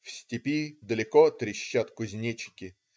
В степи далеко трещат кузнечики.